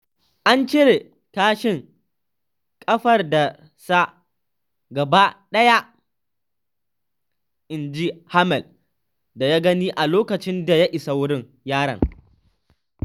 An cire kashin ƙafaɗarsa gaba ɗaya,” inji Hammel da ya gani a lokacin da ya isa wurin yaron.